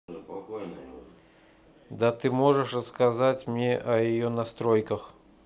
да ты можешь рассказать мне о ее настройках